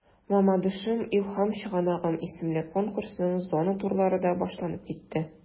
“мамадышым–илһам чыганагым” исемле конкурсның зона турлары да башланып китте.